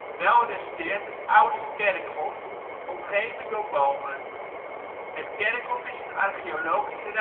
Wel resteert het oude kerkhof, omgeven door bomen. Het kerkhof is een archeologisch rijksmonument